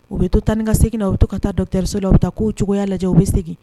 U bɛ to tan ka segin u bɛ to ka taa dɔtɛriso la u bɛ taa' cogoya lajɛ u bɛ segin